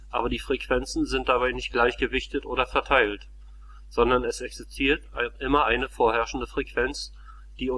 Aber die Frequenzen sind dabei nicht gleich gewichtet oder verteilt, sondern es existiert immer eine vorherrschende Frequenz, die